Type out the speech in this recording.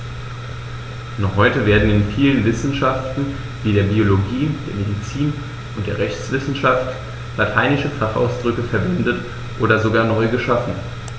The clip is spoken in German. Noch heute werden in vielen Wissenschaften wie der Biologie, der Medizin und der Rechtswissenschaft lateinische Fachausdrücke verwendet und sogar neu geschaffen.